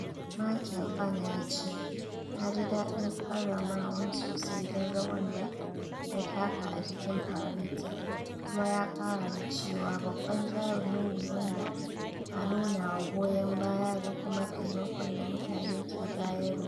Michael Vann ya ce "na ji daɗin karamawan sosai don rawan da na taka a cikin faratin" kuma ya kara da cewa babban jarumi ne wanda a nunawa goyon baya da kuma taimakon da mutane ke bayarwa."